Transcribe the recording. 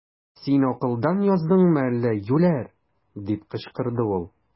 Син акылдан яздыңмы әллә, юләр! - дип кычкырды ул.